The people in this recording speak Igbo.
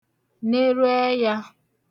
neru ẹyā